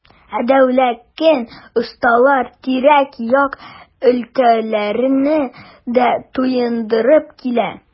Ә Дәүләкән осталары тирә-як өлкәләрне дә туендырып килә.